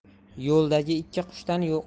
yo'ldagi ikki qushdan